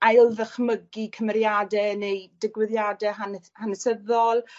ail ddychmygu cymeriade neu digwyddiade hanes- hanesyddol.